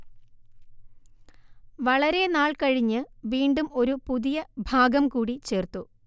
വളരെ നാൾ കഴിഞ്ഞ് വീണ്ടും ഒരു പുതിയ ഭാഗം കൂടി ചേർത്തു